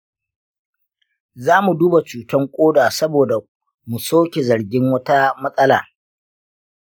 zamu duba cutan ƙoda saboda mu soke zargin wata matsala.